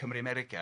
Cymru America.